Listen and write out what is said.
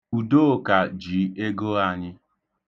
Udoka ji ego anyị.